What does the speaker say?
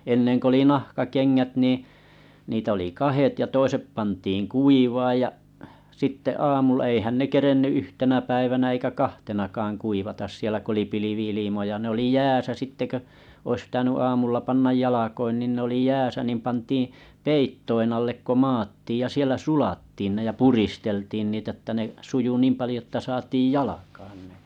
ennen kun oli nahkakengät niin niitä oli kahdet ja toiset pantiin kuivamaan ja sitten aamulla eihän ne kerinnyt yhtenä päivänä eikä kahtenakaan kuivata siellä kun oli pilvi-ilmoja ne oli jäässä sitten kun olisi pitänyt aamulla panna jalkoihin niin ne oli jäässä niin pantiin peittojen alle kun maattiin ja siellä sulattiin ne ja puristeltiin niitä että ne sujui niin paljon että saatiin jalkaan ne